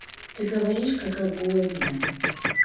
ты горишь как агония